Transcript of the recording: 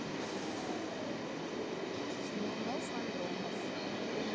шмурнов андронов